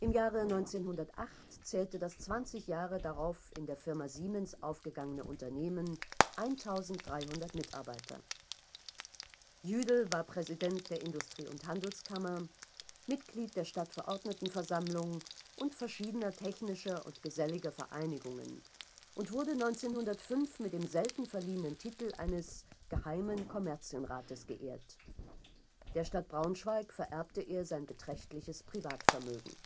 Jahre 1908 zählte das 20 Jahre darauf in der Firma Siemens aufgegangene Unternehmen 1.300 Mitarbeiter. Jüdel war Präsident der Industrie - und Handelskammer, Mitglied der Stadtverordnetenversammlung und verschiedener technischer und geselliger Vereinigungen und wurde 1905 mit dem selten verliehenen Titel eines Geheimen Kommerzienrates geehrt. Der Stadt Braunschweig vererbte er sein beträchtliches Privatvermögen